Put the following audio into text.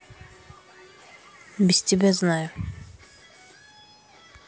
без тебя знаю